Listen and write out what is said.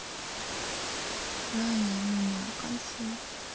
ранила меня конфуз